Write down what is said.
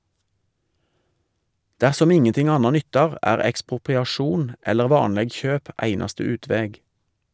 Dersom ingenting anna nyttar, er ekspropriasjon eller vanleg kjøp einaste utveg.